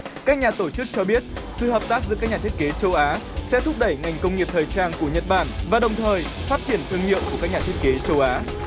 các nhà tổ chức cho biết sự hợp tác giữa các nhà thiết kế châu á sẽ thúc đẩy ngành công nghiệp thời trang của nhật bản và đồng thời phát triển thương hiệu của các nhà thiết kế châu á